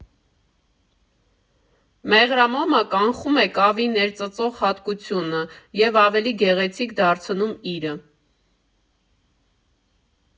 Մեղրամոմը կանխում է կավի ներծծող հատկությունը և ավելի գեղեցիկ դարձնում իրը։